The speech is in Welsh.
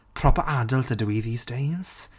Proper adult ydw i these days.